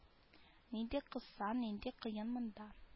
Нинди кысан нинди кыен монда